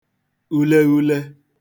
uleghule